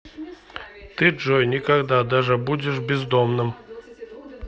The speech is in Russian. ты джой никогда даже будешь бездомным